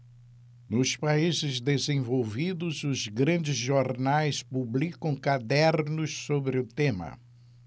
nos países desenvolvidos os grandes jornais publicam cadernos sobre o tema